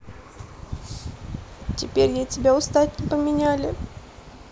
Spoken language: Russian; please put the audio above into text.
теперь я тебя устать не поменяли